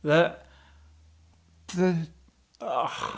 The... the-... och.